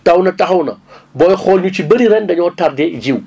taw na taxaw na booy xool ñu ci bëri ren dañoo tardé jiw